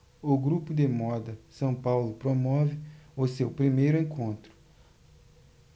o grupo de moda são paulo promove o seu primeiro encontro